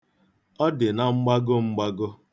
Ọ dị na mgbago mgbago.